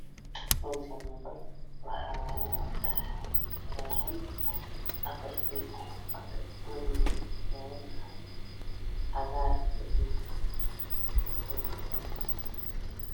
Meshaan waa bad waxaa dhex taagan Afar doon Afarta doona waxa ay ka kooban tahay cagaar baluug ay ka kooban tahay